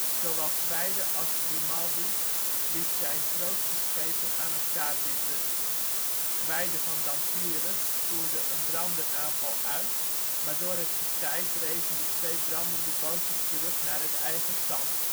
Zowel Gwijde als Grimaldi liet zijn grootste schepen aan elkaar binden. Gwijde van Dampierre voerde een branderaanval uit, maar door het getij dreven de twee brandende bootjes terug naar het eigen kamp